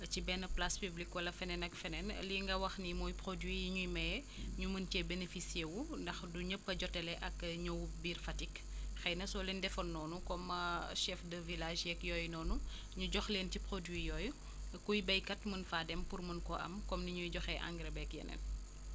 ci benn place publique wala feneen ak feneen lii nga wax nii mooy produit wii ñuy maye ñu mën cee bénéficié wu ndax du ñëpp a jotale ak ñëw biir Fatick xëy na soo leen defoon noonu comme chef de village yeeg yooyu noonu ñu jox leen ci produit yooyu kuy béykat mën faa dem pour mën koo am comme ni ñuy joxee engrais beeg yeneen